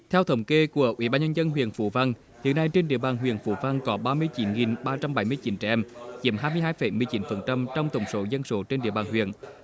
theo thống kê của ủy ban nhân dân huyện phú vang hiện nay trên địa bàn huyện phú vang có ba mươi chín nghìn ba trăm bảy mươi chín trẻ em chiếm hai mươi hai phẩy mười chín phần trăm trong tổng số dân số trên địa bàn huyện